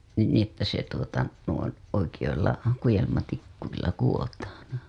niin niin että se tuota - oikeilla kudelmatikuilla kudotaan